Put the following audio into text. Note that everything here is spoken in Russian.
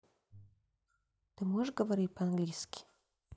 ты можешь говорить по английски